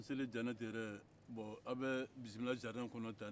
an selen janɛti yɛrɛ bon aw bɛ bisimilayi nakɔ kɔnɔ tan de